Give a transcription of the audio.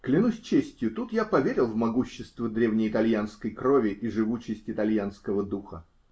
Клянусь честью, тут я поверил в могущество древнеитальянской крови и в живучесть итальянского духа!